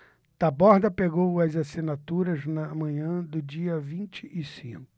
taborda pegou as assinaturas na manhã do dia vinte e cinco